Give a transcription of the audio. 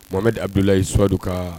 Mame abudulayi sudu kan